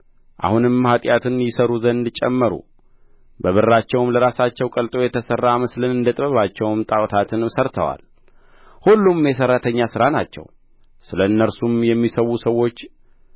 አሁንም ኃጢአትን ይሠሩ ዘንድ ጨመሩ በብራቸውም ለራሳቸው ቀልጦ የተሠራ ምስልን እንደ ጥበባቸውም ጣዖታትን ሠርተዋል ሁሉም የሠራተኛ ሥራ ናቸው ስለ እነርሱም የሚሠዉ ሰዎች